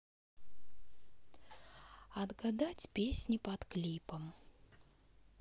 отгадать песни под клипом